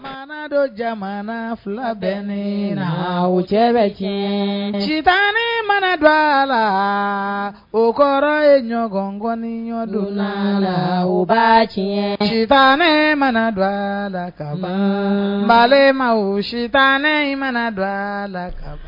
Mana dɔ jamana fila bɛ ne na o cɛ bɛ tiɲɛ ji tan ne mana don a la o kɔrɔ ye ɲɔgɔnkɔni ɲɔgɔndon la la u ba tiɲɛ tan mana don a la ka ma ma wo sita ne in mana don a la ka